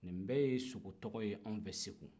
nin bɛɛ ye sogo tɔgɔ y'anw fɛ yen segu